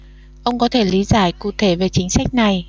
ông có thể lý giải cụ thể về chính sách này